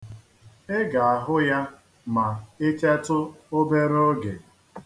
Ị ga-ahụ ya ma i chetụ obere oge.